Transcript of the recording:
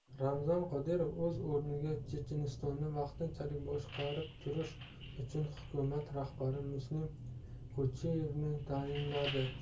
ramzan qodirov o'z o'rniga chechenistonni vaqtinchalik boshqarib turish uchun hukumat rahbari muslim xuchiyevni tayinladi